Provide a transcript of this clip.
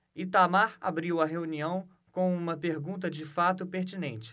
itamar abriu a reunião com uma pergunta de fato pertinente